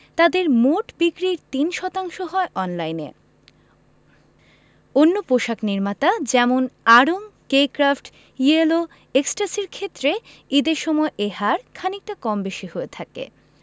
তাঁদের মোট বিক্রির ৩ শতাংশ হয় অনলাইনে অন্য পোশাক নির্মাতা যেমন আড়ং কে ক্র্যাফট ইয়েলো এক্সট্যাসির ক্ষেত্রে ঈদের সময় এ হার খানিকটা কম বেশি হয়ে থাকে